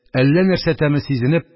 Әллә нәрсә тәме сизенеп